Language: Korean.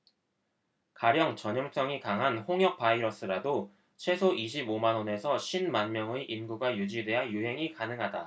가령 전염성이 강한 홍역 바이러스라도 최소 이십 오 만 에서 쉰 만명의 인구가 유지돼야 유행이 가능하다